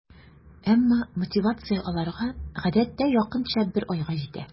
Әмма мотивация аларга гадәттә якынча бер айга җитә.